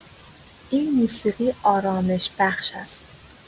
این موسیقی آرامش‌بخش است.